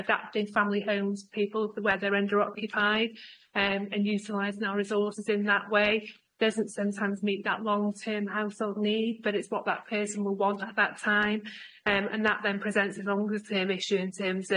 adapting family homes people where they're under occupied and and utilising our resources in that way doesn't sometimes meet that long-term household need but it's what that person will want at that time and that then presents a longer term issue in terms